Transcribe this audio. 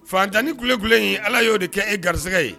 Fantanani ku ku in ala y'o de kɛ e garisɛgɛ ye